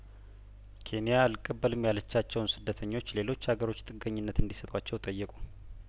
ኬንያ አልቀበልም ያለቻቸውን ስደተኞች ሌሎች አገሮች ጥገኝነት እንዲሰጧቸው ጠየቁ